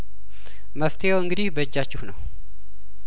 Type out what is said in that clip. መፍትሄው እንግዲህ በእጃችሁ ነው